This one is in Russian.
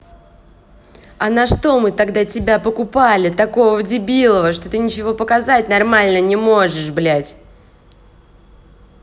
а на что мы тогда тебя покупляли такого дебилово что ты ничего показать нормально не можешь блять